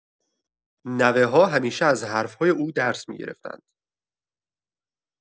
نوه‌ها همیشه از حرف‌های او درس می‌گرفتند.